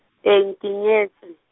eng ke nyetšwe.